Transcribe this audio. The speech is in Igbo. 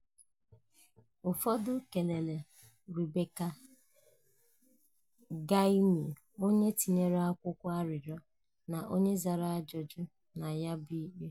Ụfọdụ kelere Rebeca Z. Gyumi, onye tinyere akwụkwọ arịrịọ na onye zara ajụjụ na ya bụ ikpe.